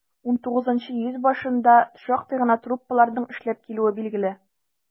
XIX йөз башында шактый гына труппаларның эшләп килүе билгеле.